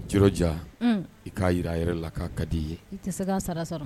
Ji ja i k'a jira a yɛrɛ la k'a ka di i ye i tɛ se